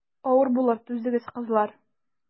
Авыр булыр, түзегез, кызлар.